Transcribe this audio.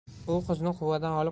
u qizni quvadan olib